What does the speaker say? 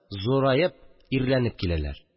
Зураеп, ирләнеп киләләр